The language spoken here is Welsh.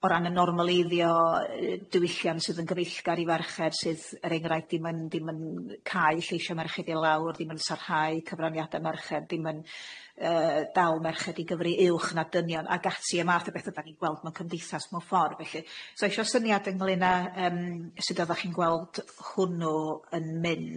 o ran y normaleiddio yy diwylliant sydd yn gyfeillgar i ferched sydd er enghraifft dim yn dim yn cae lleisia' merched i lawr dim yn sarhau cyfraniade merched ddim yn yy dal merched i gyfri uwch na dynion ag ati y math o bethe dan ni'n gweld mewn cymdeithas mewn ffor felly. So isio syniad ynglŷn â yym sud oddach chi'n gweld hwnnw yn mynd?